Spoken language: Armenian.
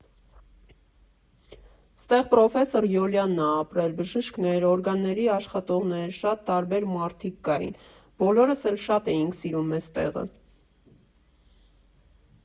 Ստեղ պրոֆեսոր Յոլյանն ա ապրել, բժիշկներ, օրգանների աշխատողներ, շատ տարբեր մարդիկ կային, բոլորս էլ շատ էինք սիրում էս տեղը։